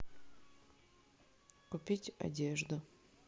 купить одежду